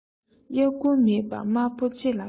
དབྱར དགུན མེད པར དམར པོའི ལྕེ ལ ལྟོས